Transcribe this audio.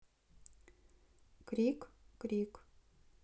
крик крик